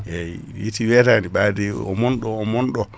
eyyi weeti weetani ɓaade o monɗo o monɗo